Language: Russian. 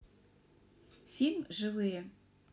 фильм живые